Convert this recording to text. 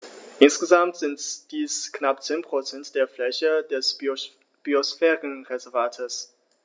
Insgesamt sind dies knapp 10 % der Fläche des Biosphärenreservates.